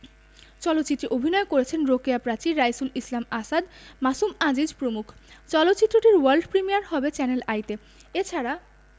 চলচ্চিত্রে অভিনয় করেছেন রোকেয়া প্রাচী রাইসুল ইসলাম আসাদ মাসুম আজিজ প্রমুখ চলচ্চিত্রটির ওয়ার্ল্ড প্রিমিয়ার হবে চ্যানেল আইতে এ ছাড়া